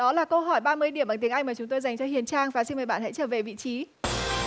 đó là câu hỏi ba mươi điểm bằng tiếng anh mà chúng tôi dành cho hiền trang và xin mời bạn hãy trở về vị trí